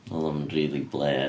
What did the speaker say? Oedd o'n rili blêr.